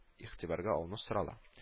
Игътибарга алуны сорала